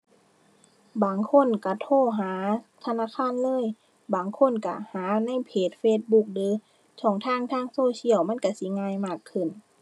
บางคนก็โทรหาธนาคารเลย บางคนก็หาในเพจ Facebook หรือช่องทางทางโซเชียล มันก็สิง่ายมากขึ้น